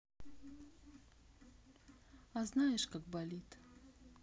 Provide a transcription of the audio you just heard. а знаешь как болит